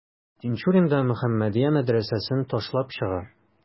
Тинчурин да «Мөхәммәдия» мәдрәсәсен ташлап чыга.